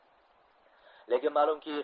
lekin ma'lumki